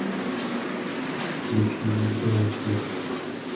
включи жук дровосек